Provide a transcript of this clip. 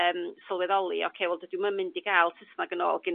yym sylweddoli oce wel dydw i ddim yn mynd i ga'l Susnag yn ôl gin